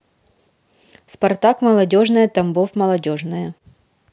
спартак молодежная тамбов молодежная